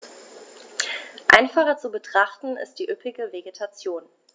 Einfacher zu betrachten ist die üppige Vegetation.